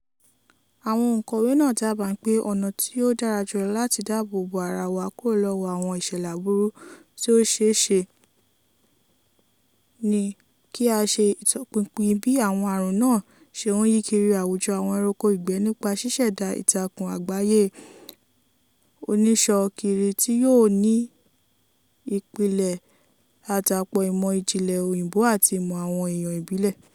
"Àwọn òǹkọ̀wé náà dábàá pé ọ̀nà tí ó dára jùlọ láti dáàbò bo ara wa kúrò lọ́wọ́ àwọn ìṣẹ̀lẹ̀ aburú tí ó ṣeéṣe ni kí á ṣe ìtọpinpin bí àwọn àrùn náà ṣe ń yí kiri àwùjọ àwọn ẹranko ìgbẹ́ nípa ṣíṣẹ̀dá ìtakùn àgbáyé oníṣọ̀ọ́kiri tí yóò ní ìpìlẹ̀ àdàpọ̀ ìmọ̀ ìjìnlẹ̀ Òyìnbó àti ìmọ̀ àwọn èèyàn ìbílẹ̀."